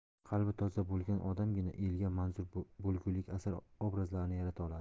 qalbi toza bo'lgan odamgina elga manzur bo'lgulik asar obrazlarni yarata oladi